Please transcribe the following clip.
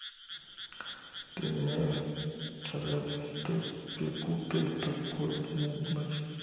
ты не please don't то пекут ты такой нудный